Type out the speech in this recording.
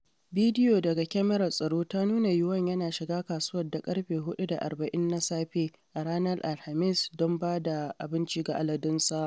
Bidiyo daga kyamarar tsaro ta nuna Yuan yana shiga kasuwar da ƙarfe 4:40 na safe a ranar Alhamis don ba da abinci ga aladunsa.